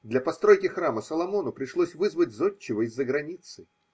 Для постройки храма Соломону пришлось вызвать зодчего из-за границы.